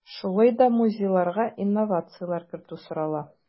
Шулай да музейларга инновацияләр кертү сорала.